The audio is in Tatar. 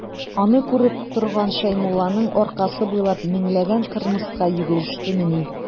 Аны күреп торган Шәймулланың аркасы буйлап меңләгән кырмыска йөгерештемени.